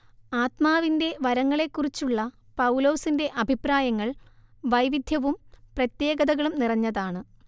ആത്മാവിന്റെ വരങ്ങളെക്കുറിച്ചുള്ള പൗലോസിന്റെ അഭിപ്രായങ്ങൾ വൈവിദ്ധ്യവും പ്രത്യേകതകളും നിറഞ്ഞതാണ്